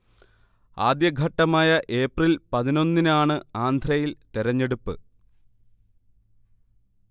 ആദ്യഘട്ടമായ April പതിനൊന്നിന് ആണ് ആന്ധ്രയിൽ തിരഞ്ഞെടുപ്പ്